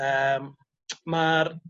...yym ma'r